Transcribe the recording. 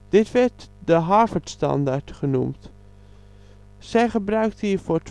Dit werd de Harvard Standaard genoemd. Zij gebruikte hiervoor